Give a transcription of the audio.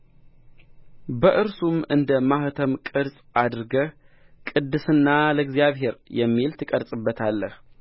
በእርሱም እንደ ማኅተም ቅርጽ አድርገህ ቅድስና ለእግዚአብሔር የሚል ትቀርጽበታለህ